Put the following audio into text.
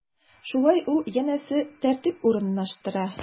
Шулай ул, янәсе, тәртип урнаштыра.